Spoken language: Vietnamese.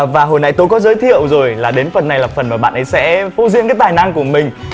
và hồi nãy tố có giới thiệu rồi là đến phần này là phần mà bạn ấy sẽ phô diễn cái bản năng của mình